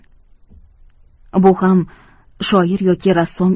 bu ham shoir yoki rassom